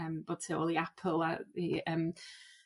em bod tu ôl i Apple a 'di yym